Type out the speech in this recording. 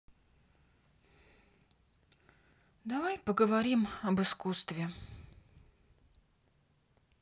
давай поговорим об искусстве